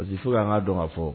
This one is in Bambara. Parce que fo ka an kaa dɔn ka fɔ